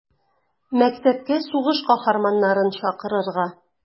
Мәктәпкә сугыш каһарманнарын чакырырга.